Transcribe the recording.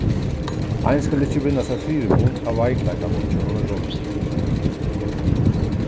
ein skal ikki vinna sær fyrimun av veikleikanum hjá øðrum